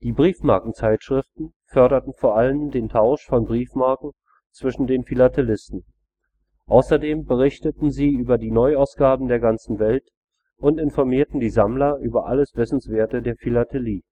Briefmarkenzeitschriften förderten vor allem den Tausch von Briefmarken zwischen den Philatelisten. Außerdem berichteten sie über die Neuausgaben der ganzen Welt und informierten die Sammler über alles Wissenswerte der Philatelie